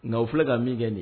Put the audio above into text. Nka u filɛ ka min kɛ